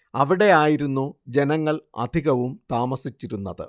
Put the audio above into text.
അവിടെയായിരുന്നു ജനങ്ങൾ അധികവും താമസിച്ചിരുന്നത്